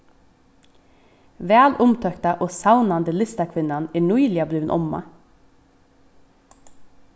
vælumtókta og savnandi listakvinnan er nýliga blivin omma